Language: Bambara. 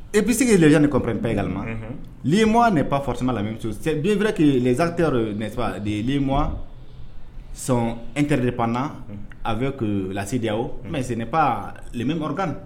E bɛ se lani kɔnpɛ yɛlɛma liyima ne pan fɔtuma la binɛrɛ' zsate ma sɔn np de panna a bɛ lasidi o mɛ ne pan kɔrɔkan